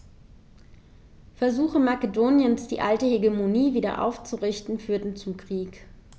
Versuche Makedoniens, die alte Hegemonie wieder aufzurichten, führten zum Krieg.